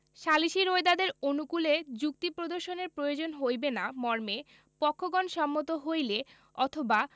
সালিসী রোয়েদাদের অনুকূলে যুক্তি প্রদর্শনের প্রয়োজন হইবে না মর্মে পক্ষগণ সম্মত হইলে অথবা